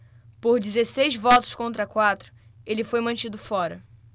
por dezesseis votos contra quatro ele foi mantido fora